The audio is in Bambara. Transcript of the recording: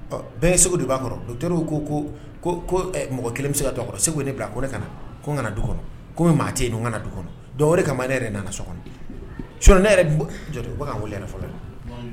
Bɛɛ segu de b'a kɔrɔ do tora ko ko ko mɔgɔ kelen bɛ ka segu ne bila ko ne ka na ko n kana du kɔnɔ kɔmi mɔgɔ tɛ yen n ka du kɔnɔ wɛrɛ kama ne yɛrɛ nana soɔgɔn su ne yɛrɛ u bɛ ka weele fɔlɔ